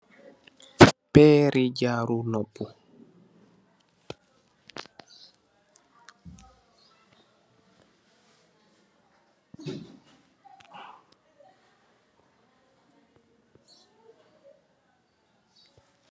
Peeri jaaru nopu.